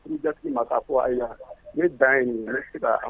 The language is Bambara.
I jatigi ma ko ayiwa ne dan ye nin ne se